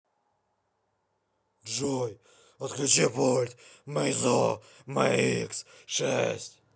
джой отключи пульт мейзу mx шесть